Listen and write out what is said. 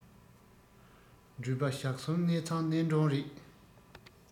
འགྲུལ པ ཞག གསུམ གནས ཚང གནས མགྲོན རེད